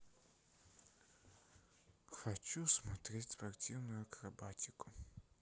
хочу смотреть спортивную акробатику